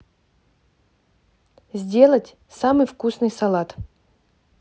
сделать самый вкусный салат